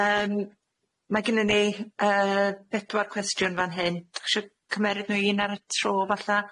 Yym, mae gynnon ni yy bedwar cwestiwn fan hyn, dach isio cymeryd nw un ar y tro falla?